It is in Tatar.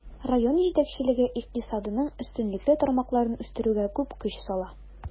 Район җитәкчелеге икътисадның өстенлекле тармакларын үстерүгә күп көч сала.